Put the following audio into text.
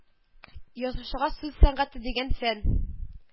Язучыга сүз сәнгате дигән фән